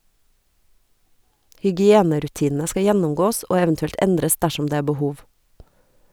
Hygienerutinene skal gjennomgåes, og eventuelt endres dersom det er behov.